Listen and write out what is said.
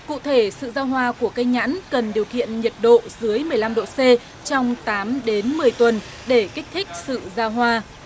cụ thể sự xa hoa của cây nhãn cần điều kiện nhiệt độ dưới mười lăm độ xê trong tám đến mười tuần để kích thích sự xa hoa